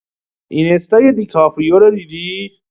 اینستای دی کاپریو رو دیدی؟